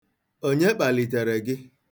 Onye kpalitere gị?